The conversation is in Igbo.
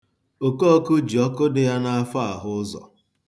Okọọkụ ji ọkụ dị ya n'afọ ahụ ụzọ.